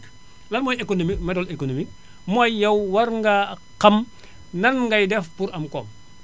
lan mooy économique modèle économique mooy yow war ngaa xam nan ngay def pour am koom